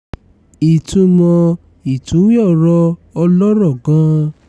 Ìtúmọ̀ Ìtúnwí-ọ̀rọ̀ Ọlọ́rọ̀ gan-an